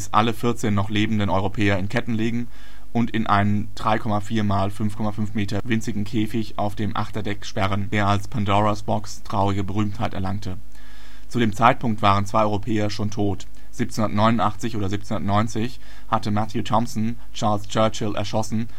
alle vierzehn noch lebenden Europäer in Ketten legen und in einen 3,4×5,5 m winzigen Käfig auf dem Achterdeck sperren, der als Pandoras Box traurige Berühmtheit erlangte. Zu dem Zeitpunkt waren zwei Europäer schon tot: 1789 oder 1790 hatte Matthew Thompson Charles Churchill erschossen